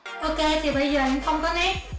ok thì bây giờ em không có nét